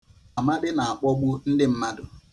Amadị na-akpọgbu mmadụ.